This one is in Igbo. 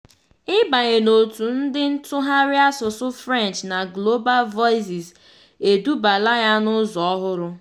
Ịbanye n'òtù ndị ntụgharị asụsụ French na Global Voices edubala ya n'ụzọ ọhụrụ.